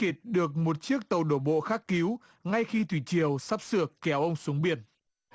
kịp được một chiếc tàu đổ bộ khác cứu ngay khi thủy triều sắp sửa kéo ông xuống biển